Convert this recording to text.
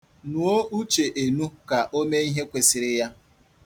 Nuo Uche enu ka o mee ihe kwesịrị ya.